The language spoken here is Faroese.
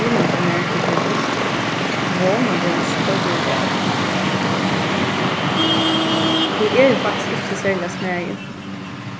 bilurin hjá mær er blivin burtur vónandi er hann ikki koyrdur útav eg eri faktiskt ikki serliga smæðin